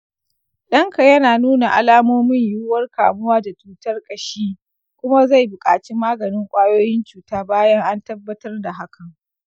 danka yana nuna alamomin yiwuwar kamuwa da cutar ƙashi kuma zai buƙaci maganin ƙwayoyin cuta bayan an tabbatar da hakan.